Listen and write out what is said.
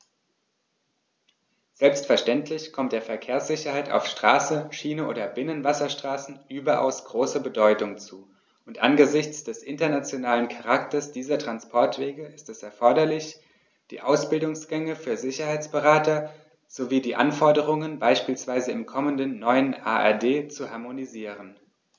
Selbstverständlich kommt der Verkehrssicherheit auf Straße, Schiene oder Binnenwasserstraßen überaus große Bedeutung zu, und angesichts des internationalen Charakters dieser Transporte ist es erforderlich, die Ausbildungsgänge für Sicherheitsberater sowie die Anforderungen beispielsweise im kommenden neuen ADR zu harmonisieren.